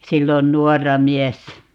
silloin nuorena miehenä